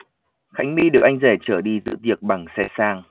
khánh my được anh rể chở đi dự tiệc bằng xe sang